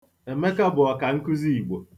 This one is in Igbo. Emeka bụ ọkankụzi Igbo